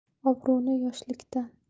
obro'ni yoshlikdan